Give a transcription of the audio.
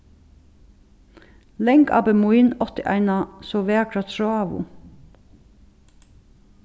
langabbi mín átti eina so vakra tráðu